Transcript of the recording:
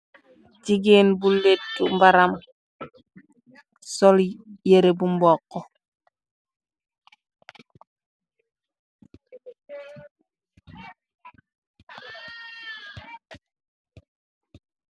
Jigéen bu lettu mbaram sol yere bu mbokku.